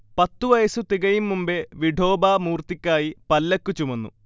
പത്തു വയസ്സു തികയും മുമ്പേ വിഠോബാ മൂർത്തിക്കായി പല്ലക്ക് ചുമന്നു